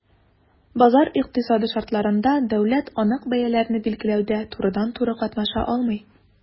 Базар икътисады шартларында дәүләт анык бәяләрне билгеләүдә турыдан-туры катнаша алмый.